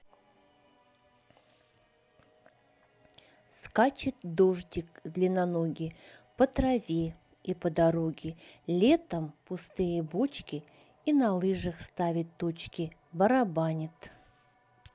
скачет дождик длинноногий по траве и по дороге летом пустые бочки и на лыжах ставить точки барабанит